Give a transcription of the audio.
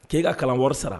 K'e ka kalan wari sara